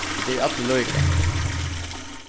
vit er allir líka